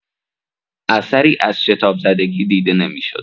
اثری از شتابزدگی دیده نمی‌شد.